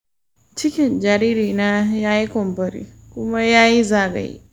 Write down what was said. cikin jaririna ya yi kumburi kuma ya yi zagaye.